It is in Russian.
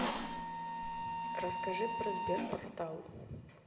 расскажи про сбер портал